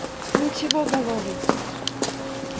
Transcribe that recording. ничего головый